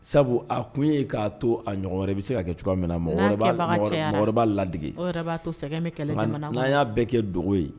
Sabu a kun ye k'a to a wɛrɛ i bɛ se ka kɛ cogoya min na ma ladeigi n'a y'a bɛɛ kɛ dɔgɔ ye